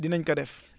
dinañ ko def